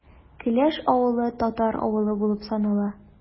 Келәш авылы – татар авылы булып санала.